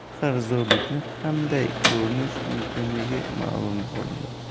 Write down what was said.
qarzdorlikni qanday ko'rish mumkinligi ma'lum qilindi